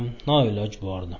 noiloj bordi